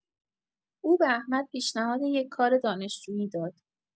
او به احمد پیشنهاد یک کار دانشجویی داد.